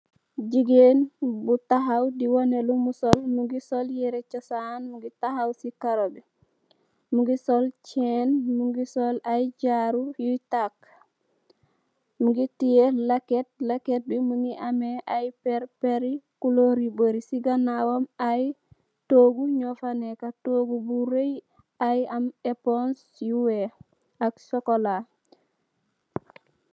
Gigain bu takhaw di wohneh lumu sol, mungy sol yehreh chosan mungy takhaw cii karoh bii, mungy sol chaine mungy sol aiiy jaarou yui taakue, mungy tiyeh lehket, lehket bii mungy ameh aiiy pehrre, pehrrii couleur yu bari, cii ganawam aiiy tohgu njur fa nekah, tohgu bu raiiy aiiy am ehponce yu wekh ak chocolat.